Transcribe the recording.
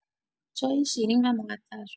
چای شیرین و معطر